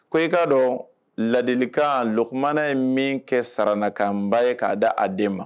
Ko e k'a dɔn ladilikan lgkumana in min kɛ sarana ka n ba ye k'a da a den ma